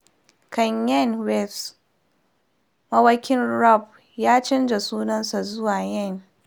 Kanye West: Mawaƙin Rap ya canza sunansa zuwa Ye